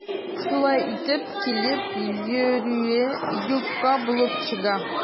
Шулай итеп, килеп йөрүе юкка булып чыга.